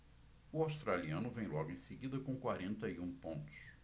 o australiano vem logo em seguida com quarenta e um pontos